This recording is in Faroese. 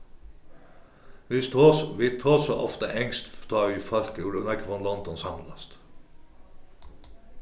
vit tosa ofta enskt tá ið fólk úr nógvum londum samlast